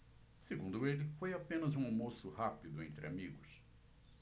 segundo ele foi apenas um almoço rápido entre amigos